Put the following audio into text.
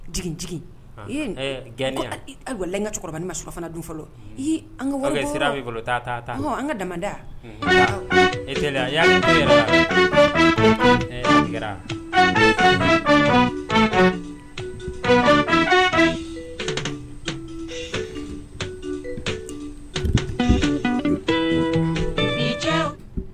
Jigin gɛlɛyaya ka cɛkɔrɔbain ma sufana du fɔlɔ sira an ka dan e